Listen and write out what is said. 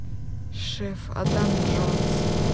шеф адам джонс